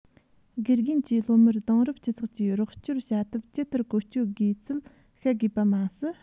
དགེ རྒན གྱིས སློབ མར དེང རབས སྤྱི ཚོགས ཀྱི རོགས སྐྱོར བྱ ཐབས ཇི ལྟར བཀོལ སྤྱོད དགོས ཚུལ བཤད དགོས པར མ ཟད